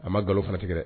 A ma nkalon fana tigɛ dɛ.